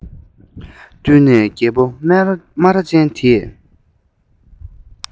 ཇ ཤུགས ཀྱིས འཐུང ཞོར གདན ལས ལངས